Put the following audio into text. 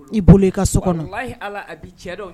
I bolo i ka so kɔnɔ walahi Ala a bɛ cɛ dɔw